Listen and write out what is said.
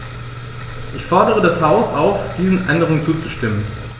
Ich fordere das Haus auf, diesen Änderungen zuzustimmen.